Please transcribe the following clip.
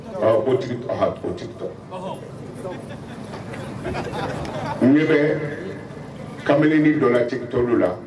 N ɲɛ bɛ kamalen ni dɔ la Tik Tok la